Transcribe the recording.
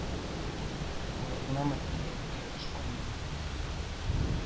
Болай гынамы, әллә берәр эш бармы